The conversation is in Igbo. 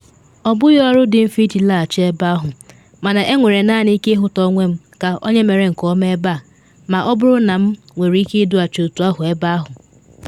“Ọ bụghị ọrụ dị mfe iji laghachi ebe ahụ, mana enwere naanị ike ịhụta onwe m ka onye mere nke ọma ebe a ma ọ bụrụ na m nwere ike idughachi otu ahụ ebe ahụ.”